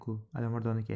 alimardon aka